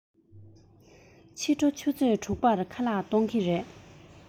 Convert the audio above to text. ཕྱི དྲོ ཆུ ཚོད དྲུག པར ཁ ལག གཏོང གི རེད